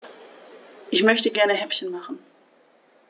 Ich möchte gerne Häppchen machen.